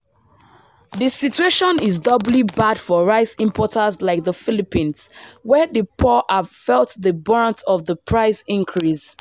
The situation is doubly bad for rice importers like the Philippines, where the poor have felt the brunt of the price increase.